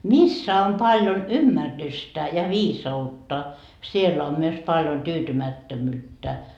missä on paljon ymmärrystä ja viisautta siellä on myös paljon tyytymättömyyttä